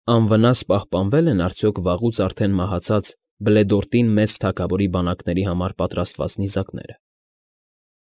Անվնաս պահապանվե՞լ են արդյոք վաղուց արդեն մահացած Բլեդորտին մեծ թագավորի բանակների համար պատրաստած նիզակները։